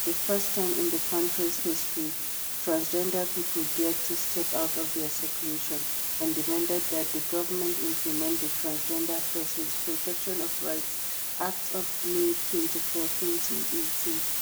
For the first time in the country's history, Transgender people dared to step out of their seclusion and demanded that the Government implement The Transgender Persons (Protection of Rights) Act, of May 24, 2018.